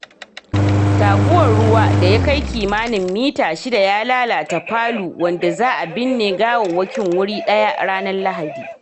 Taguwar ruwa da ya kai kimanin mita shida ya lalata Palu wanda za a binne gawawwakin wuri daya ranar Lahadi.